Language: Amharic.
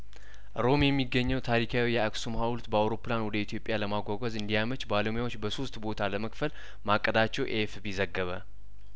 ሮም የሚገኘው ታሪካዊ የአክሱም ሀውልት በአውሮፕላን ወደ ኢትዮጵያ ለማጓጓዝ እንዲያመች ባለሙያዎች በሶስት ቦታ ለመክፈል ማቀዳቸው ኤኤፍፒ ዘገበ